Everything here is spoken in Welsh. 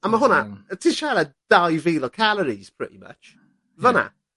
A ma' hwnna, yy ti'n siarad dau fil o calories pretty much* fan 'na.